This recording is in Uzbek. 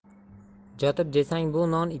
jotib jesang bu non